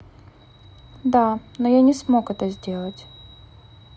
да но я не смог это сделать